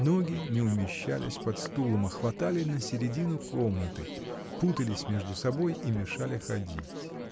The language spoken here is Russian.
Ноги не умещались под стулом, а хватали на середину комнаты, путались между собой и мешали ходить.